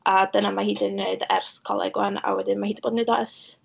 A dyna mae hi 'di wneud ers coleg 'wan, a wedyn ma' hi 'di bod yn wneud o ers...